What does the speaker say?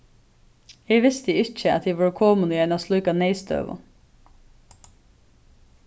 eg visti ikki at tit vóru komin í eina slíka neyðstøðu